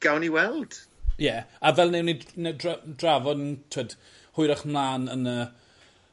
gawn ni weld. Ie a fel newn ni d- new- dra- drafod yn t'wod hwyrach mlan yn y